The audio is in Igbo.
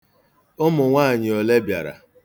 Ụmụ nwaanyị ole bịara?